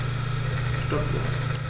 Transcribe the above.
Stoppuhr.